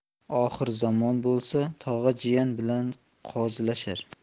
oxir zamon bo'lsa tog'a jiyan bilan qozilashar